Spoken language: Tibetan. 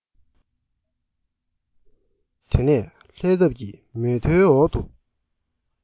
དེ ནས ལྷས འདབས ཀྱི མེ ཐོའི འོག ཏུ